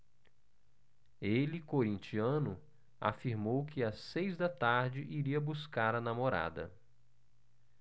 ele corintiano afirmou que às seis da tarde iria buscar a namorada